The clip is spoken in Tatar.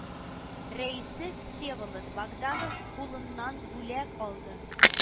Рәисе всеволод богданов кулыннан бүләк алды